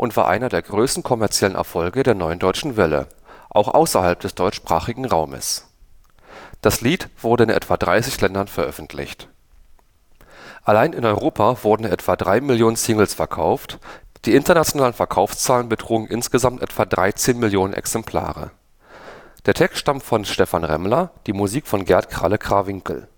war einer der größten kommerziellen Erfolge der Neuen Deutschen Welle, auch außerhalb des deutschsprachigen Raumes. Die Single wurde in etwa 30 Ländern veröffentlicht. Allein in Europa wurden etwa drei Millionen Singles verkauft, die internationalen Verkaufszahlen betrugen insgesamt etwa 13 Millionen Exemplare. Der Text stammt von Stephan Remmler, die Musik von Gert „ Kralle “Krawinkel